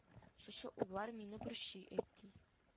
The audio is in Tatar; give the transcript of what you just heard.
Шушы уйлар мине борчый әти